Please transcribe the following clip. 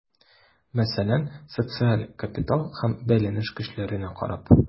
Мәсәлән, социаль капитал һәм бәйләнеш көчләренә карап.